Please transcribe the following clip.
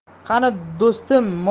qani do'stim